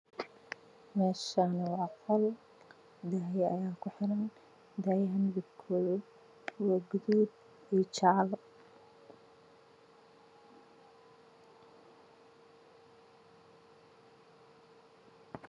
Meeshaan waa qol daahman ayaa ku xiran daahman medebkeedu yahay gaduud iyo jaalo